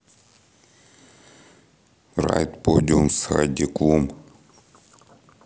райд подиум с хайди клум